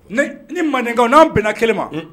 Ni mandenkaw n'an bɛn kelen ma